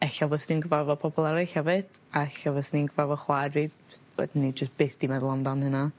e'lla bo' chdi'n gyfarfod pobol eryll hefyd a ella fyswn i'n cyfarfo chwaer fi s- byddwn i jyst byth 'di meddwl amdan hynna